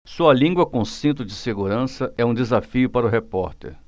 sua língua com cinto de segurança é um desafio para o repórter